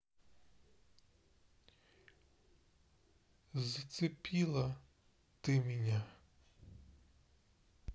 зацепила ты меня